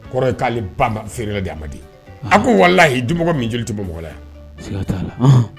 Kɔrɔ ye k'ale ba feerela di a ma a ko walahi dumɔgɔ min jeli tɛ mɔgɔ yan